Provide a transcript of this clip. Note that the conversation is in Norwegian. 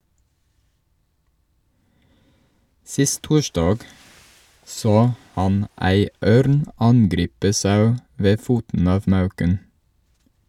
Sist torsdag så han ei ørn angripe sau ved foten av Mauken.